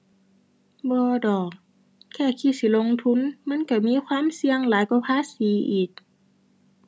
บ่ดอก แค่คิดสิลงทุนมันก็มีความเสี่ยงหลายกว่าภาษีอีก